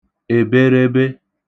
èberebe